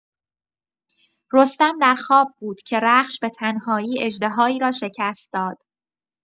رستم در خواب بود که رخش به‌تنهایی اژدهایی را شکست داد.